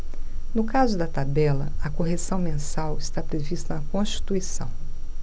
no caso da tabela a correção mensal está prevista na constituição